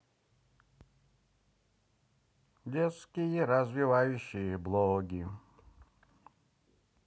детские развивающие блоги